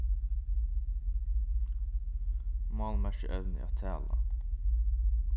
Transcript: mál merkir evni at tala